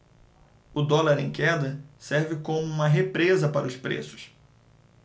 o dólar em queda serve como uma represa para os preços